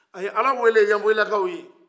a ye ala wele yanfɔlilakaw ye